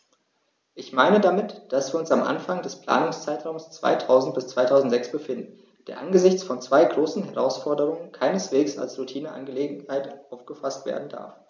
Ich meine damit, dass wir uns am Anfang des Planungszeitraums 2000-2006 befinden, der angesichts von zwei großen Herausforderungen keineswegs als Routineangelegenheit aufgefaßt werden darf.